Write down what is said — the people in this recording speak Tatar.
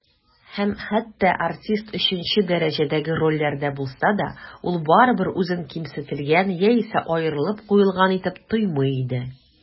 Һәм хәтта артист өченче дәрәҗәдәге рольләрдә булса да, ул барыбыр үзен кимсетелгән яисә аерылып куелган итеп тоймый иде.